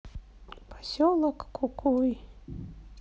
поселок кукуй